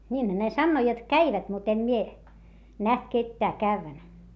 niinhän ne sanoo jotta kävivät mutta en minä nähnyt ketään käyvän